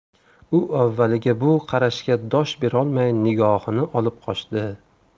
u avvaliga bu qarashga dosh berolmay nigohini olib qochdi